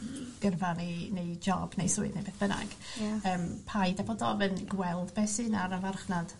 gyrfa neu neu job neu swydd neu beth bynnag ... Ie. ...yym paid â bod ofyn gweld be' sy 'na ar y farchnad